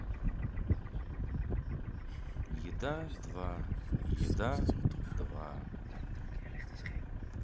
еда два еда два